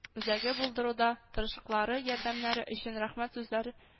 Үзәге булдыруда тырышлыклары-ярдәмнәре өчен рәхмәт сүзләре